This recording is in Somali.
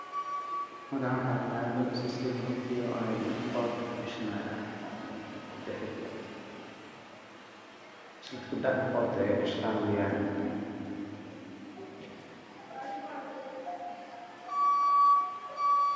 Waa ka tiim midabkiisu yahay dahabi oo silsilad ah oo saaran meel is caddaan ah